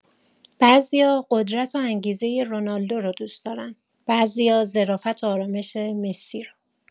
بعضیا قدرت و انگیزه رونالدو رو دوست دارن، بعضیا ظرافت و آرامش مسی رو.